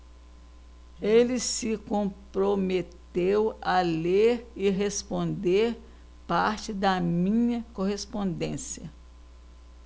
ele se comprometeu a ler e responder parte da minha correspondência